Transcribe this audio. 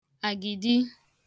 àgìdi